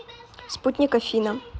спутник афина